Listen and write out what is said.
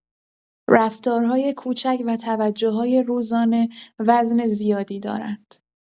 رفتارهای کوچک و توجه‌های روزانه وزن زیادی دارند.